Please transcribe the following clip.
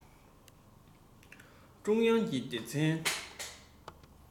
ཀྲུང དབྱང གི སྡེ ཚན